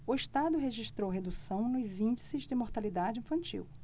o estado registrou redução nos índices de mortalidade infantil